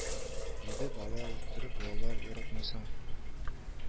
Җиде бала үстереп балалар яратмыйсың